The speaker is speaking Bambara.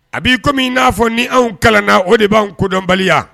A b'i komi min n'a fɔ ni anw kalan na o de b'an kodɔnbaliya